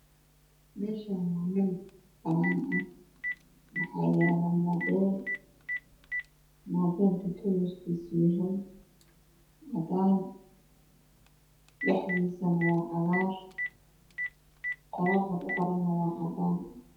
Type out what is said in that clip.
Meeshan wa meel banaan ah waxaa yalo mobile mobile ka kalarkiisu yahay cadaan dhexdiisana waa cagaar qoraalka ku qoranna waa cadaan